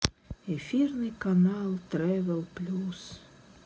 эфирный канал трэвел плюс